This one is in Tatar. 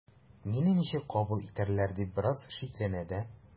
“мине ничек кабул итәрләр” дип бераз шикләнә дә.